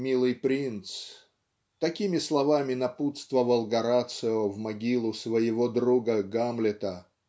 милый принц!" -- такими словами напутствовал Горацио в могилу своего друга Гамлета.